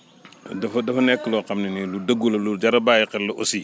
dafa dafa nekk loo xam ne nii lu dëggu la lu jar a bàyyi xel la aussi